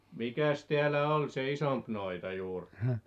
mikäs täällä oli se isompi noita juuri